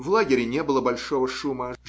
В лагере не было большого шума